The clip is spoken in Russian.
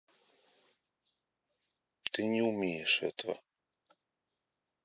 ты не умеешь этого